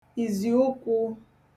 ìzìụkwụ̄